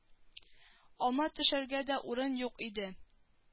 Алма төшәргә дә урын юк иде